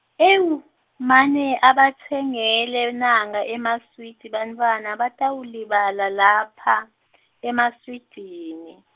ewu, mane ubatsengele nankha emaswidi bantfwana batawulibala lapha , emaswidini.